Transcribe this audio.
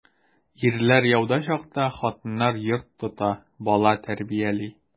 Ирләр яуда чакта хатыннар йорт тота, бала тәрбияли.